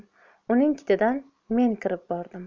uning ketidan men kirib bordim